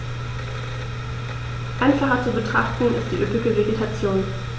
Einfacher zu betrachten ist die üppige Vegetation.